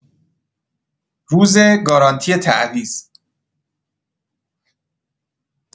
روز گارانتی تعویض